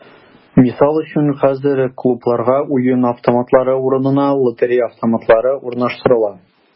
Мисал өчен, хәзер клубларга уен автоматлары урынына “лотерея автоматлары” урнаштырыла.